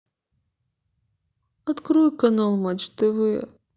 открой канал матч тв